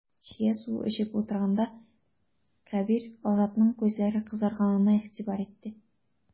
Чия суын эчеп утырганда, Кәбир Азатның күзләре кызарганга игътибар итте.